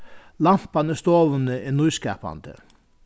lampan í stovuni er nýskapandi